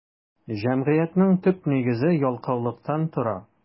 Җәмгыятьнең төп нигезе ялкаулыктан тора.